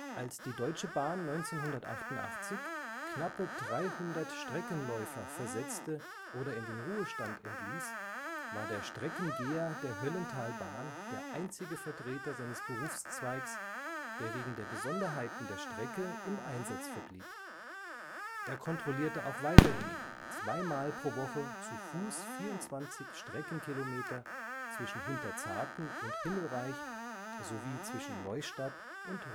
Als die Deutsche Bahn 1988 knappe 300 Streckenläufer versetzte oder in den Ruhestand entließ, war der Streckengeher der Höllentalbahn der einzige Vertreter seines Berufszweigs, der wegen der Besonderheiten der Strecke im Einsatz verblieb. Er kontrollierte auch weiterhin zwei Mal pro Woche zu Fuß 24 Streckenkilometer zwischen Hinterzarten und Himmelreich sowie zwischen Neustadt und